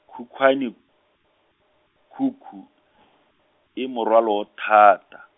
Khukhwane, khukhu, e morwalo o thata.